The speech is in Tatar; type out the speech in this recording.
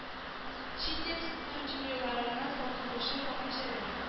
Чит ил сутенерларына сатылучы фахишәләр